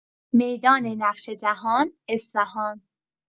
میدان نقش جهان، اصفهان